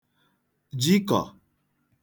jikọ̀